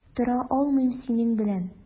Тора алмыйм синең белән.